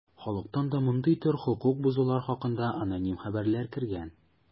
Халыктан да мондый төр хокук бозулар хакында аноним хәбәрләр кергән.